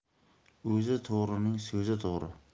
o'zi to'g'rining so'zi to'g'ri